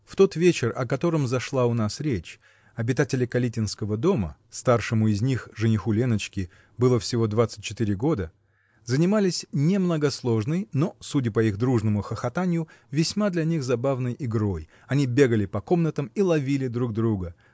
В тот вечер, о котором зашла у нас речь, обитатели калитинского дома (старшему из них, жениху Леночки, было всего двадцать четыре года) занимались немногосложной, но, судя по их дружному хохотанью, весьма для них забавной игрой: они бегали по комнатам и ловили друг друга